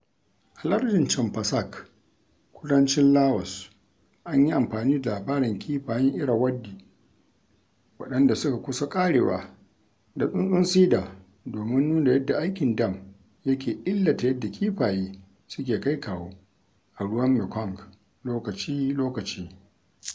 A lardin Champasak, kudancin Laos, an yi amfani da labarin kifayen Irrawaddy waɗanda suka kusa ƙarewa da tsuntsun Sida domin nuna yadda aikin dam yake illata yadda kifaye suke kai-kawo a ruwan Mekong lokaci-lokaci.